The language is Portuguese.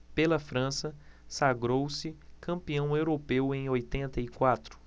pela frança sagrou-se campeão europeu em oitenta e quatro